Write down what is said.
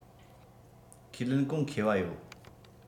ཁས ལེན གོང ཁེ བ ཡོད